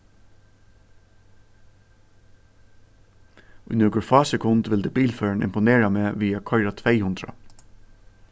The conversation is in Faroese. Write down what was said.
í nøkur fá sekund vildi bilførarin imponera meg við at koyra tvey hundrað